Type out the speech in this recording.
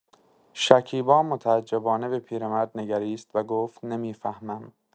شکیبا متعجبانه به پیرمرد نگریست و گفت: «نمی‌فهمم!»